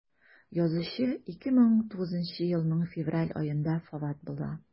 Язучы 2009 елның февраль аенда вафат була.